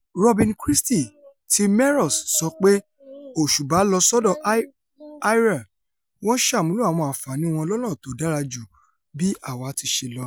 Robyn Christie ti Melrose sọ pé: ''Òṣùba lọ sọ́dọ̀ Ayr, wọ́n ṣàmúlò àwọn àǹfààní wọn lọ́nà tó dára ju bí àwa tiṣe lọ.''